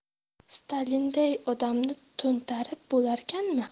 stalinday odamni to'ntarib bo'larkanmi